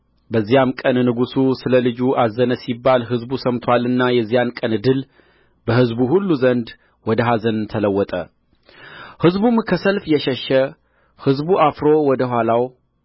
በዚያም ቀን ንጉሡ ስለ ልጁ አዘነ ሲባል ሕዝቡ ሰምቶአልና የዚያ ቀን ድል በሕዝቡ ሁሉ ዘንድ ወደ ኀዘን ተለወጠ ሕዝቡም ከሰልፍ የሸሸ ሕዝብ አፍሮ ወደ ኋላው